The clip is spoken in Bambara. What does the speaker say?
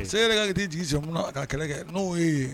Sisan e bɛ ka taa i jigisɛmɛ mun kan ka kɛlɛ kɛ n'o y'e ye.